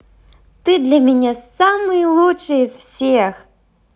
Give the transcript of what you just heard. ты для меня самый лучший из всех